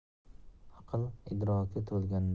aql idroki to'lgandan keyin